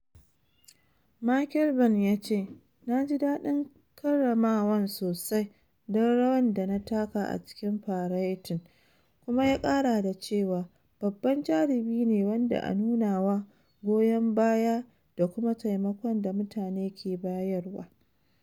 Michael Vann ya ce "na ji daɗin karamawan sosai don rawan da na taka a cikin faratin" kuma ya kara da cewa babban jarumi ne wanda a nunawa goyon baya da kuma taimakon da mutane ke bayarwa."